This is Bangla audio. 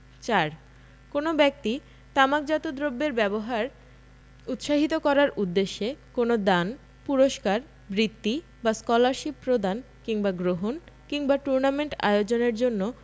৪ কোন ব্যক্তি তামাকজাত দ্রব্যের ব্যবহার উৎসাহিত করার উদ্দেশ্যে কোন দান পুরস্কার বৃত্তি বা স্কলারশীপ প্রদান কিংবা গ্রহণ কিংবা কোন টুর্নামেন্ট আয়োজনের জন্য